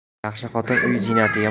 yaxshi xotin uy ziynati